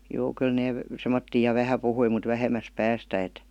juu kyllä ne semmoisia ja vähän puhui mutta vähemmästä päästä että